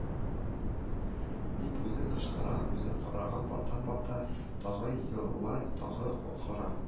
– дип үзе кычкыра, үзе карга бата-бата, тагы егыла, тагы акыра: